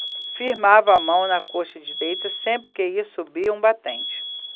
firmava a mão na coxa direita sempre que ia subir um batente